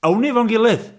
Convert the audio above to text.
Awn ni 'fo'n gilydd.